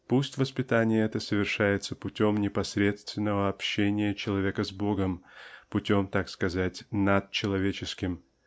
Пусть воспитание это совершается путем непосредственного общения человека с Богом путем так сказать над человеческим